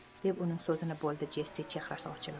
deb uning so'zini bo'ldi jessi chehrasi ochilib